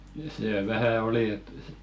se vähän oli että -